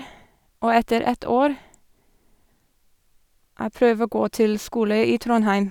Og etter ett år jeg prøve å gå til skole i Trondheim.